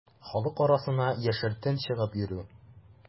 Халык арасына яшертен чыгып йөрү.